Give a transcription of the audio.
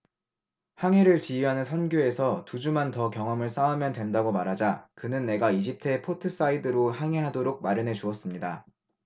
항해를 지휘하는 선교에서 두 주만 더 경험을 쌓으면 된다고 말하자 그는 내가 이집트의 포트사이드로 항해하도록 마련해 주었습니다